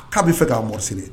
K'a bɛ fɛ k'a mɔ sini